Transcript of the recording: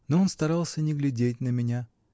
Но он старался не глядеть на меня